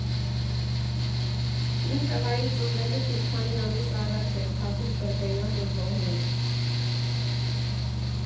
Իմ տղայի ծնվելուց մի քանի ամիս առաջ էր Թաթուլ Կրպեյանը զոհվել.